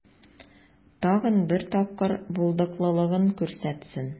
Тагын бер тапкыр булдыклылыгын күрсәтсен.